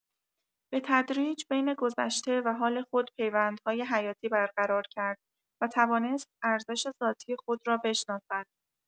به‌تدریج بین گذشته و حال خود پیوندهای حیاتی برقرار کرد و توانست ارزش ذاتی خود را بشناسد.